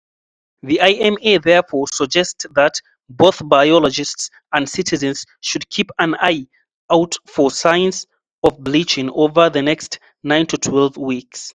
The IMA therefore suggests that both biologists and citizens should keep an eye out for signs of bleaching over the next 9-12 weeks.